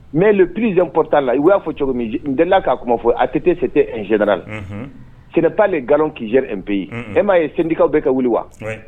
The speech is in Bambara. Mɛ prisizɛnptaa la i'a fɔ cogo dala k'a kuma fɔ a tɛte setesɛdarala sɛnɛtaale nkalon kiiy pe yen e m maa ye sendikaw bɛɛ kɛ wuli wa